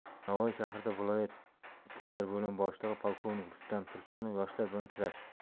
navoiy shahrida viloyat iib boshlig'i polkovnik rustam tursunov yoshlar bilan uchrashdi